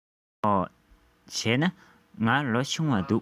འོ བྱས ན ང ལོ ཆུང བ འདུག